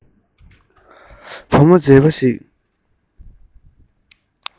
བུ མོ མཛེས མ ཞིག